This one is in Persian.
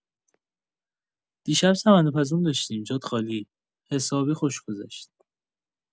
دیشب سمنوپزون داشتیم جات خالی حسابی خوش گذشت.